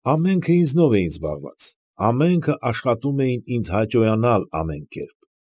Ամենքը ինձնով էին զբաղված, ամենքը աշխատում էին ինձ հաճոյանալ ամեն կերպ։